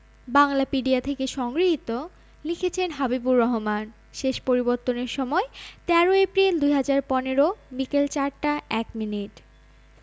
বাংলাপিডিয়া থেকে সংগৃহীত লিখেছেন: হাবিবুর রহমান শেষ পরিবর্তনের সময় ১৩ এপ্রিল ২০১৫ বিকেল ৪টা ১ মিনিট